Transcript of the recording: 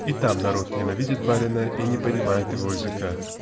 И там народ ненавидит барина и не понимает его языка